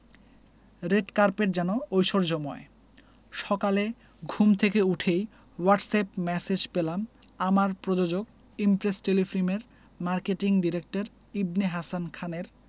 red carpet যেন ঐশ্বর্যময় সকালে ঘুম থেকে উঠেই হোয়াটসঅ্যাপ ম্যাসেজ পেলাম আমার প্রযোজক ইমপ্রেস টেলিফিল্মের মার্কেটিং ডিরেক্টর ইবনে হাসান খানের